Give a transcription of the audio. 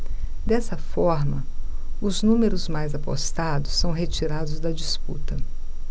dessa forma os números mais apostados são retirados da disputa